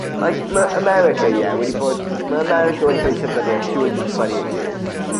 Like ma' America ie wedi bod ma' America wedi cael ei sefydlu am two hundred and tweny eight years.